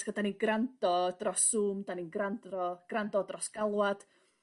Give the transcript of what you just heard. t'g'od 'dan ni'n grando dros sŵm 'dan ni'n grandro grando dros galwad.